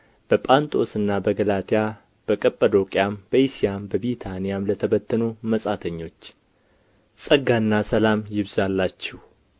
በጳንጦስና በገላትያ በቀጰዶቅያም በእስያም በቢታንያም ለተበተኑ መጻተኞች ጸጋና ሰላም ይብዛላችሁ